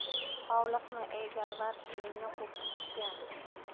hovliqma e galvars buningni qo'rqitishgan